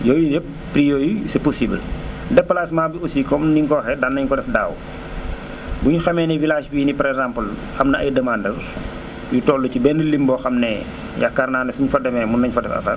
yooyu yëpp prix yooyu c' est possible déplacement bi aussi comme ni nga ko waxee daan nañ ko def daaw bi ñu xamee ne village bii nii par exemple am na ay demandes yu toll ci benn lim boo xam ne yaakaar naa ne suñ fa demee mën nañ fa def affaire